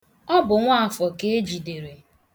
Ọ bụ Nawaafọ ka ejidere.